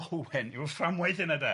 Owen yw'r fframwaith hynna de? Ia.